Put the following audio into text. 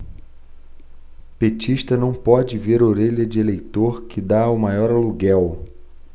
petista não pode ver orelha de eleitor que tá o maior aluguel